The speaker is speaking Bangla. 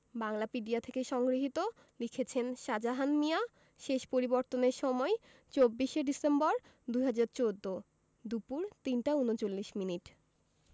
বাংলাপিডিয়া থেকে সংগৃহীত লিখেছেনঃ সাজাহান মিয়া শেষ পরিবর্তনের সময় ২৪ ডিসেম্বর ২০১৪ দুপুর ৩টা ৩৯মিনিট